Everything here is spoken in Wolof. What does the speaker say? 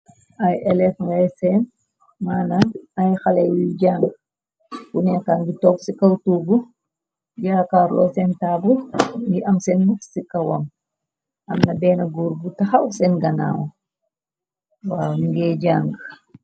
Ay eleef Nagy seen maana ay xale yuy jàng bu nekkangi tog ci kaw tuug jaakar loo seen taabul. Ngi am seen buk ci kawam amna benn góur bu taxaw seen ganaaw wa ngéy jàng.